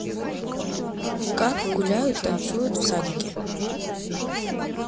как гуляют танцуют в садике